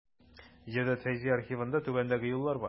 Җәүдәт Фәйзи архивында түбәндәге юллар бар.